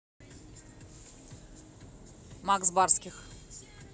макс барских